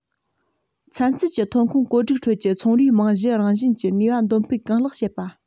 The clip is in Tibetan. ཚན རྩལ གྱི ཐོན ཁུངས བཀོད སྒྲིག ཁྲོད ཀྱི ཚོང རའི རྨང གཞི རང བཞིན གྱི ནུས པ འདོན སྤེལ གང ལེགས བྱེད པ